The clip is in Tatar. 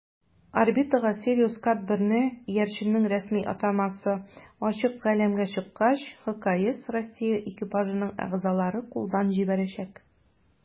Орбитага "СириусСат-1"ны (иярченнең рәсми атамасы) ачык галәмгә чыккач ХКС Россия экипажының әгъзалары кулдан җибәрәчәк.